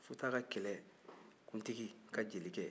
futa ka kɛlɛkuntigi ka jelikɛ